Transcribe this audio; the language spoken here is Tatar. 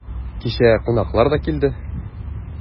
Кичә кунаклар да килде.